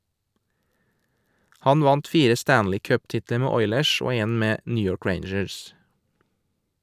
Han vant fire Stanley Cup-titler med Oilers, og en med New York Rangers.